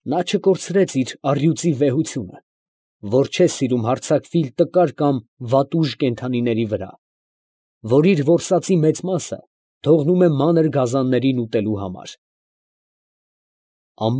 Նա չկորցեց իր առյուծի վեհությունը, որ չէ սիրում հարձակվիլ տկար կամ վատուժ կենդանիների վրա, որ իր որսածի մեծ մասը թողնում է մանր գազաններին ուտելու համար…։